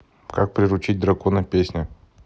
как приручить дракона песня